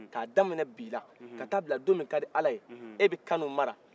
ka daminɛ bila ka ta bila don min kadi ala ye e bɛ kanu mara